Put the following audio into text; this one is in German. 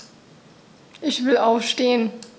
Ich will aufstehen.